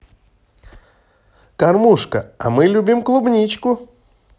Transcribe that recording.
кормушка а мы любим клубничку